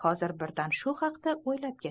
hozir birdan shu haqda o'ylab ketdim